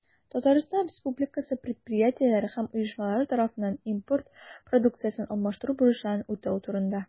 Татарстан Республикасы предприятиеләре һәм оешмалары тарафыннан импорт продукциясен алмаштыру бурычларын үтәү турында.